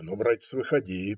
- Ну, братец, выходи.